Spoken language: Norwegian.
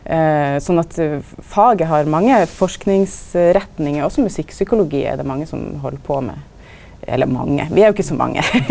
sånn at faget har mange forskingsretningar, også musikkpsykologi er det mange som held på med, eller mange, vi er jo ikkje så mange .